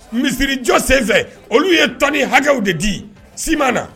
Misiri jɔ senfɛ olu ye tonne hakɛw de di ciment na